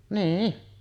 niin